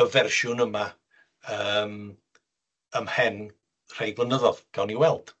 y fersiwn yma yym ymhen rhai blynyddodd, gawn ni weld.